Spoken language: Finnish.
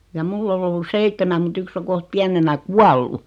ja minulla oli ollut seitsemän mutta yksi on kohta pienenä kuollut